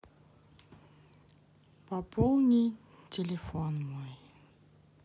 пополни телефон мой